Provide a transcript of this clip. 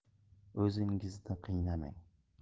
o'zingizni qiynamang